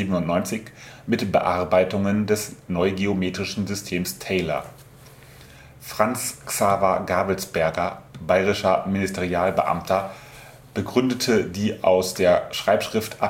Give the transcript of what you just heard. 1797) mit Bearbeitungen des neugeometrischen Systems Taylor. Franz Xaver Gabelsberger, bayerischer Ministerialbeamter, begründete die aus der Schreibschrift